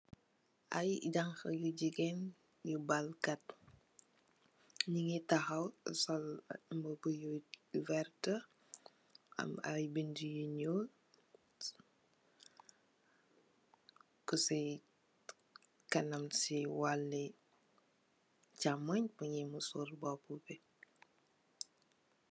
Ay janxa yu jigeen yu baal kat nyugi tawax sol mbubu yu wertax am ay binda yu nuul kusi kanam si walee cxamun bi mongi musor mbopa bi.